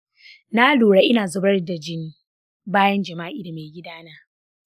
na lura ina zubar jini bayan jima’i da mai gida na.